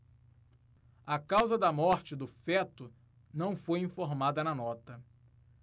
a causa da morte do feto não foi informada na nota